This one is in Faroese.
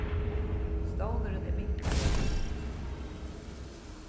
stovnurin er minkaður